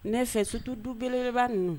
Ne fɛ sur tout du bele bele ba nunu.